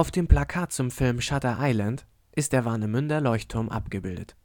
dem Plakat zum Film Shutter Island ist der Warnemünder Leuchtturm abgebildet